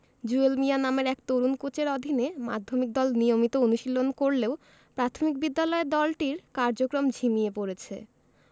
জুয়েল মিয়া নামের এক তরুণ কোচের অধীনে মাধ্যমিক দল নিয়মিত অনুশীলন করলেও প্রাথমিক বিদ্যালয়ের দলটির কার্যক্রম ঝিমিয়ে পড়েছে